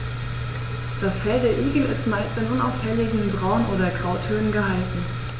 Das Fell der Igel ist meist in unauffälligen Braun- oder Grautönen gehalten.